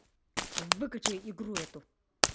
выключи игру эту